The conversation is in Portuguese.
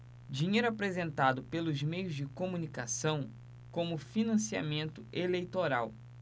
dinheiro apresentado pelos meios de comunicação como financiamento eleitoral